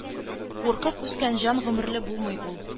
Куркып үскән җан гомерле булмый ул...